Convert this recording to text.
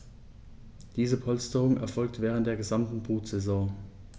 Diese Polsterung erfolgt während der gesamten Brutsaison.